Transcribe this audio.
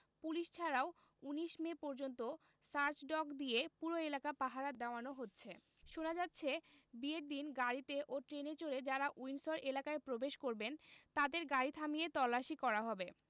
police ছাড়াও ১৯ May পর্যন্ত search dog দিয়ে পুরো এলাকা পাহারা দেওয়ানো হচ্ছে শোনা যাচ্ছে বিয়ের দিন গাড়িতে ও ট্রেনে চড়ে যাঁরা উইন্ডসর এলাকায় প্রবেশ করবেন তাঁদের গাড়ি থামিয়ে তল্লাশি করা হবে